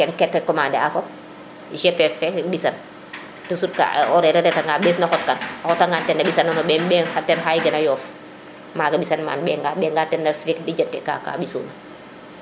ten kete commande a fop Gp fe na mbisan toujours horaire reta nga o ɓees na xot kan a xota ngan tena mbis kano ɓeem o ɓeemo xay gena Yoffmaga mbisan maan ɓaŋa ɓega tena lijante ka ka mbisina